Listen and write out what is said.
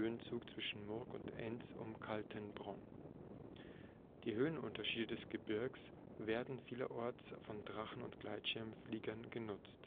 Höhenzug zwischen Murg und Enz um Kaltenbronn. Die Höhenunterschiede des Gebirges werden vielerorts von Drachen - und Gleitschirmfliegern genutzt